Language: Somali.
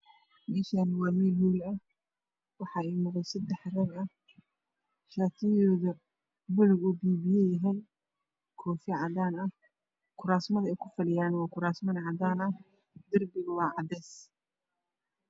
Meeshan waa meel hool ah waxaa ii muuqdo sadex rag ah shatiyadooda baluug oo biyobiyo yahay koofi cadaan kuraasmada ay ku fadhiyaan waa kuraasmo cadaan ah dabiga waa cadees